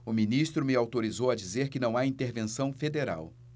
o ministro me autorizou a dizer que não há intervenção federal